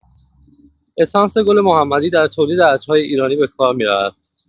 اسانس گل‌محمدی در تولید عطرهای ایرانی به‌کار می‌رود.